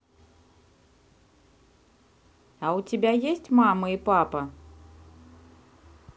а у тебя есть мама и папа